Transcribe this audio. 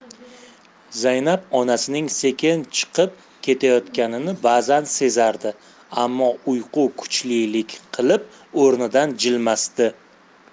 zaynab onasining sekin chiqib ketayotganini ba'zan sezardi ammo uyqu kuchlilik qilib o'rnidan jilmasdi